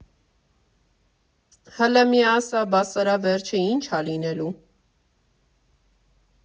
Հըլը մի ասա՝ բա սրա վերջը ի՞նչ ա լինելու։